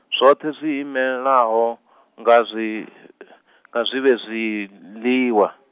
zwoṱhe zwi -imelaho, nga zwi, nga zwivhe zwiḽiwa .